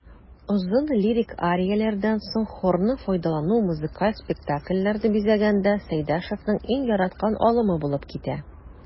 Озын лирик арияләрдән соң хорны файдалану музыкаль спектакльләрне бизәгәндә Сәйдәшевнең иң яраткан алымы булып китә.